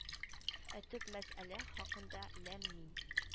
Ә төп мәсьәлә хакында ләм-мим